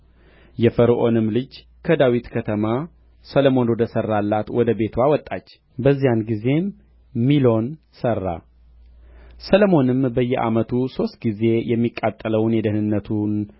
የፈርዖንም ልጅ ከዳዊት ከተማ ሰሎሞን ወደ ሠራላት ወደ ቤትዋ ወጣች በዚያን ጊዜም ሚሎን ሠራ ሰሎሞንም በየዓመቱ ሦስት ጊዜ የሚቃጠለውንና የደኅንነቱን